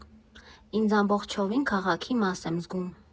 Ինձ ամբողջովին քաղաքի մաս եմ զգում։